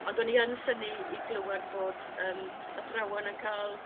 Ond o'n i yn synnu i glywad bod yrm athrawon yn ca'l